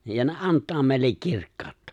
ja ne antaa meille kirkkautta